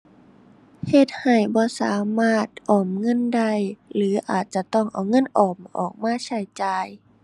เฮ็ดให้บ่สามารถออมเงินได้หรืออาจจะต้องเอาเงินออมออกมาใช้จ่าย